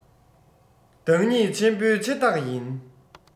བདག ཉིད ཆེན པོའི ཆེ རྟགས ཡིན